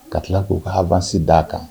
Ka tila k'u ka habanansi d'a kan